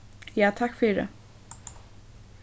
ja takk fyri